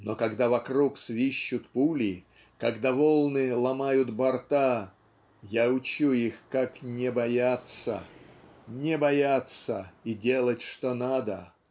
Но когда вокруг свищут пули Когда волны ломают борта Я учу их как не бояться Не бояться и делать что надо.